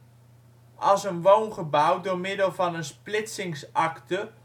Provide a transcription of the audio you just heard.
Als een woongebouw door middel van een splitsingsakte